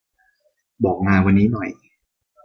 บอกงานวันนี้หน่อย